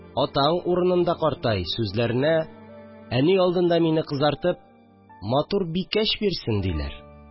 Атаң урынында карта», – сүзләренә, әни алдында мине кызартып: «матур бикәч бирсен!» – диләр